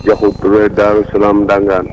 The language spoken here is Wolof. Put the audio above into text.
Diakhou Touré Daarou Salaam Ndangaan